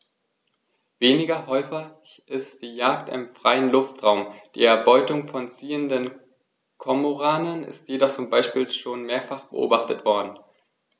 Weniger häufig ist die Jagd im freien Luftraum; die Erbeutung von ziehenden Kormoranen ist jedoch zum Beispiel schon mehrfach beobachtet worden.